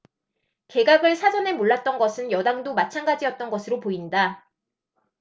개각을 사전에 몰랐던 것은 여당도 마찬가지 였던 것으로 보인다